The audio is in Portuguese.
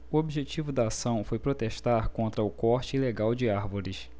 o objetivo da ação foi protestar contra o corte ilegal de árvores